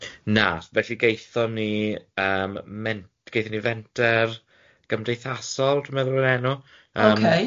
Na, felly gaethon ni yym ment- gaethon ni fenter gymdeithasol dwi'n meddwl o'r enw yym ocê.